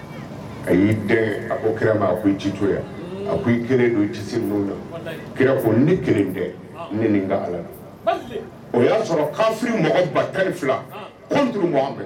A y'i dɛn a ko Kira ma a k'i tɛ to yan, a ko i kelen don i tɛ se ninnu na, walahi, Kira ko ne kelen tɛ , ne ni n ka Ala don, o y'a sɔrɔ kafiri mɔgɔ ba tan ani fila contre Mohamɛdi